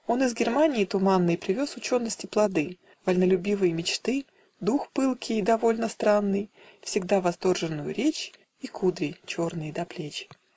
Он из Германии туманной Привез учености плоды: Вольнолюбивые мечты, Дух пылкий и довольно странный, Всегда восторженную речь И кудри черные до плеч.